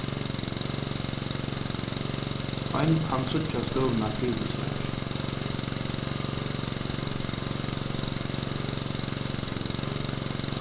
ein kann síggja støðuna fyri sær